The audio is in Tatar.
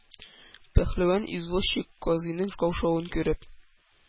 Пәһлеван извозчик, казыйның каушавын күреп,